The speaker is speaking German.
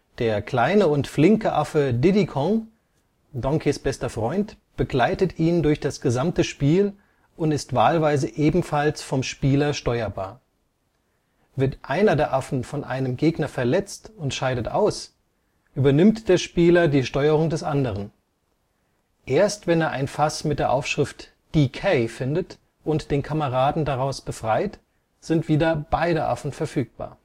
Der kleine und flinke Affe Diddy Kong, Donkeys bester Freund, begleitet ihn durch das gesamte Spiel und ist wahlweise ebenfalls vom Spieler steuerbar. Wird einer der Affen von einem Gegner verletzt und scheidet aus, übernimmt der Spieler die Steuerung des anderen. Erst wenn er ein Fass mit der Aufschrift DK findet und den Kameraden daraus befreit, sind wieder beide Affen verfügbar